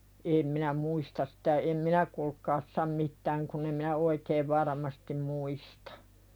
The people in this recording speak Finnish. en minä muista sitä en minä kuulkaa sano mitään kun en minä oikein varmasti muista